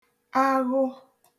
aghụ